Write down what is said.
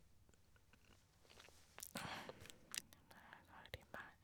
Er ferdig snart?